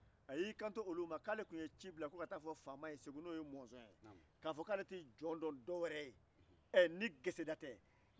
a ko k'ale tun ye ci bila ka t'a fɔ mɔzɔn ye segu k'ale tɛ jɔn dɔn ni dɔwɛrɛ ni ggesda tɛ